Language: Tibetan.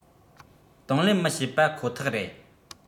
དང ལེན མི བྱེད པ ཁོ ཐག རེད